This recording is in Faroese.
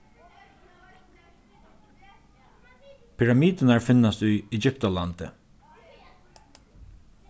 pyramidurnar finnast í egyptalandi